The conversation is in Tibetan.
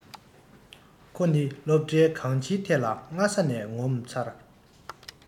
ཁོ ནི སློབ གྲྭའི གང སྤྱིའི ཐད ལ སྔ ས ནས གོམ ཚར